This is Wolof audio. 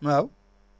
waaw